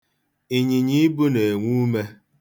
Ịnyịnyiibu na-enwe ume.